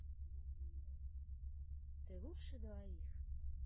ты лучших двоих